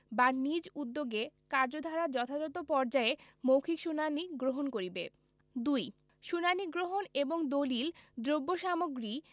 বা নিজ উদ্যোগে কার্যধারার যথাযথ পর্যায়ে মৌখিক শুনানী গ্রহণ করিবে ২ শুনানী গ্রহণ এবং দলিল দ্রব্যসামগ্রী